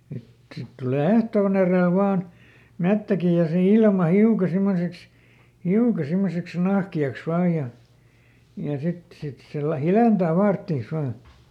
sitten sitten tulee ehtoon edellä vain metsäkin ja se ilma hiukan semmoiseksi hiukan semmoiseksi nahkeaksi vain ja ja sitten sitten se - hiljentää faarttiansa vain